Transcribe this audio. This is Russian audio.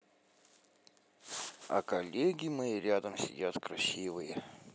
а коллеги мои рядом сидят красивые